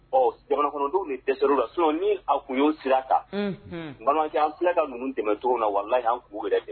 Ɔ jamana kɔnɔndenw ni tɛr la sɔn ni a tun y'o sira kan bamananjan an tila ka ninnu tɛmɛn t na wala'an k'u yɛrɛ fɛ